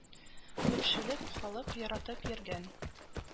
Күпчелек халык яратып йөргән